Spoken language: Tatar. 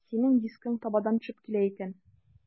Синең дискың табадан төшеп килә икән.